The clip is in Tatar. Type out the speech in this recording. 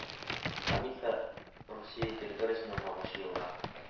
Тамица Русия территориясеннән агучы елга